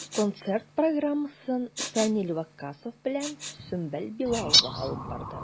Концерт программасын Фәнил Ваккасов белән Сөмбел Билалова алып барды.